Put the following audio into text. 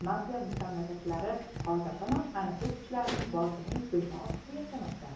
mafiya mustamlakalari hozirdanoq ana shu kuchlarning yashirin zulmi ostida yashamoqda